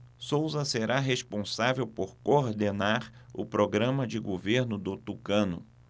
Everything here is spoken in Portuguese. souza será responsável por coordenar o programa de governo do tucano